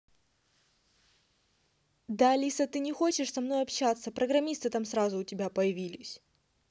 да алиса ты не хочешь со мной общаться программисты там сразу у тебя появились